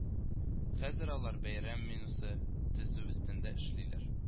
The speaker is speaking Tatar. Хәзер алар бәйрәм менюсы төзү өстендә эшлиләр